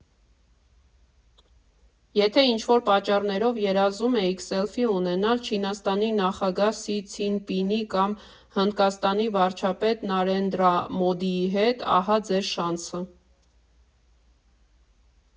Եթե ինչ֊որ պատճառներով երազում էիք սելֆի ունենալ Չինաստանի նախագահ Սի Ցին֊Պինի կամ Հնդկաստանի վարչապետ Նարենդրա Մոդիի հետ, ահա ձեր շանսը։